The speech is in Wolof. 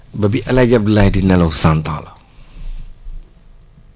ba bi El Hadj Abdoulaye di nelawcent ans la